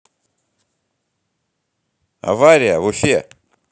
авария в уфе